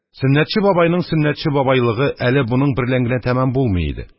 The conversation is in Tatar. Сөннәтче бабайның «сөннәтче бабай»лыгы әле буның берлән генә тәмам булмый иде.